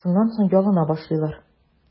Шуннан соң ялына башлыйлар.